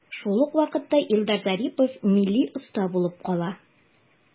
Шул ук вакытта Илдар Зарипов милли оста булып кала.